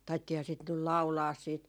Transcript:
taidettiinhan sitä nyt laulaa sitten